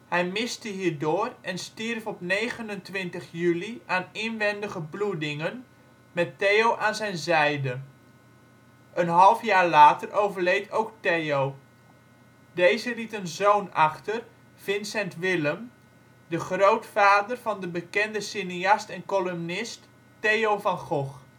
Hij miste hierdoor en stierf op 29 juli aan inwendige bloedingen met Theo aan zijn zijde. Een half jaar later overleed ook Theo. Deze liet een zoon achter, Vincent Willem, de grootvader van de bekende cineast en columnist Theo van Gogh